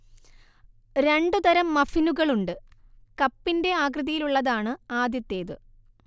രണ്ടു തരം മഫ്ഫിനുകളുണ്ട്, കപ്പിന്റെ ആകൃതിയിലുള്ളതാണ് ആദ്യത്തേത്